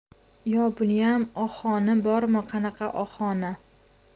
yo buniyam ohoni bormi qanaqa ohoni